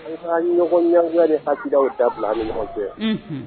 An ka ɲɔgɔn ɲaya ni hakili u da bila ni ɲɔgɔn cɛ yan